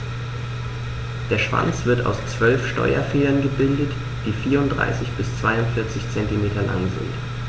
Der Schwanz wird aus 12 Steuerfedern gebildet, die 34 bis 42 cm lang sind.